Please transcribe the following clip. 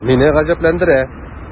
Мине гаҗәпләндерә: